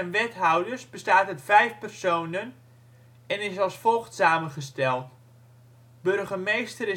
wethouders bestaat uit vijf personen en is als volgt samengesteld: Burgemeester